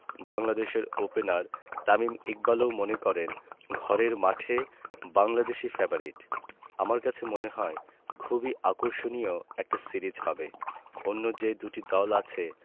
বাংলাদেশের ওপেনার তামিম ইকবালও মনে করেন ঘরের মাঠে বাংলাদেশই ফেবারিট আমার কাছে মনে হয় খুবই আকর্ষণীয় একটা সিরিজ হবে অন্য যে দুটি দল আছে